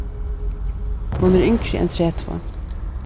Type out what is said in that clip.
hon er yngri enn tretivu